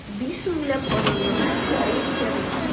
Биш меңләп казанлыны эшле иткән ул.